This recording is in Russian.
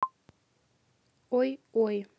ой ой